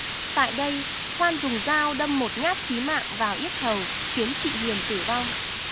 tại đây hoan dùng dao đâm một nhát chí mạng vào yết hầu khiến chị hiền tử vong